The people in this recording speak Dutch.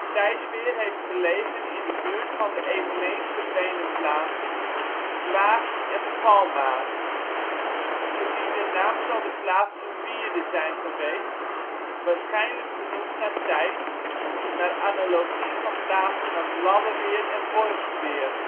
Tijsweer heeft gelegen in de buurt van de eveneens verdwenen plaatsen Zwaag en Palmaer. Gezien de naam zal de plaats een wierde zijn geweest, waarschijnlijk genoemd naar Tijs, naar analogie van plaatsen als Lalleweer en Borgsweer